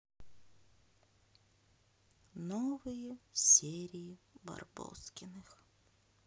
новые серии барбоскиных